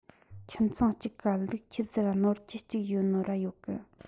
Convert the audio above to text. ཁྱིམ ཚང གཅིག ག ལུག ཁྱུ ཟིག ར ནོར ཁྱུ གཅིག ཡོད ནོ ར ཡོད གི